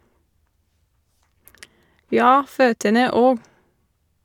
Ja, føtene òg.